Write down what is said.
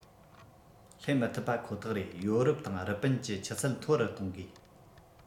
སླེབས མི ཐུབ པ ཁོ ཐག རེད ཡོ རོབ དང རི པིན གྱི ཆུ ཚད མཐོ རུ གཏོང དགོས